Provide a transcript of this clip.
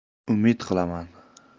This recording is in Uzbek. umid qilaman